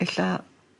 e'lla'